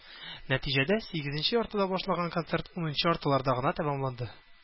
Нәтиҗәдә, сигезенче яртыда башланган концерт унынчы яртыларда гына тәмамланды.